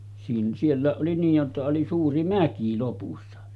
- sielläkin oli niin jotta oli suuri mäki lopussa